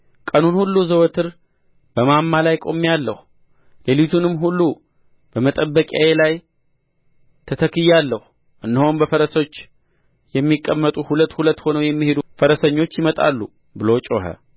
ቀኑን ሁሉ ዘወትር በማማ ላይ ቆሜአለሁ ሌሊቱንም ሁሉ በመጠበቂያዬ ላይ ተተክያለሁ እነሆም በፈረሶች የሚቀመጡ ሁለት ሁለት ሁነው የሚሄዱ ፈረሰኞች ይመጣሉ ብሎ ጮኸ